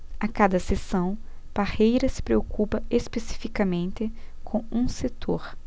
a cada sessão parreira se preocupa especificamente com um setor